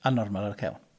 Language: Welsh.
A normal ar y cefn.